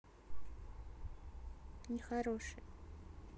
нехорошее